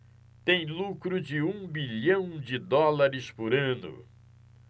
tem lucro de um bilhão de dólares por ano